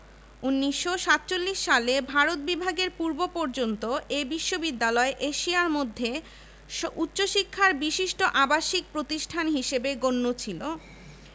প্রাথমিক বছরগুলিতে ঢাকা বিশ্ববিদ্যালয়ের ছাত্র শিক্ষকগণ কঠোর পরিশ্রমের মাধ্যমে শিক্ষার উচ্চমান বজায় রাখতে সচেষ্ট ছিলেন যার ফলশ্রুতিতে